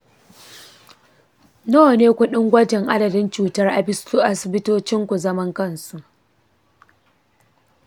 nawa ne kuɗin gwajin adadin cutar a asibitocin zaman kansu?